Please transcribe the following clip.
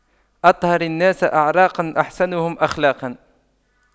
أطهر الناس أعراقاً أحسنهم أخلاقاً